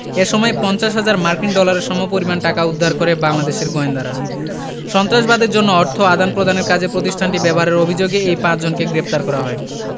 এ সময় ৫০ হাজার মার্কিন ডলারের সমপরিমাণ টাকা উদ্ধার করে বাংলাদেশের গোয়েন্দারা সন্ত্রাসবাদের জন্য অর্থ আদান প্রদানের কাজে প্রতিষ্ঠানটি ব্যবহারের অভিযোগে এই পাঁচজনকে গ্রেপ্তার করা হয়